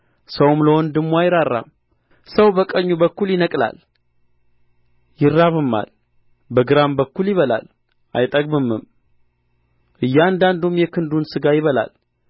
ሰውም ለወንድሙ አይራራም ሰው በቀኙ በኩል ይነቅላል ይራብማል በግራም በኩል ይበላል አይጠግብምም እያንዳንዱም የክንዱን ሥጋ ይበላል